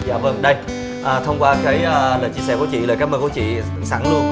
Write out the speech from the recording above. dạ vâng đây à thông qua cái a lời chia sẻ của chị lời cảm ơn của chị sẵn luôn